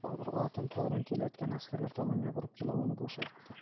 bobur otini tog'dan kelayotgan askarlar tomonga burib jilovini bo'shatdi